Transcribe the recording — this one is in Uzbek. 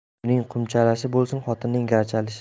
ering qumchalish bo'lsin xotining g'archalish